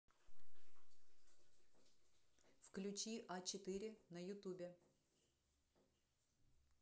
включи а четыре на ютубе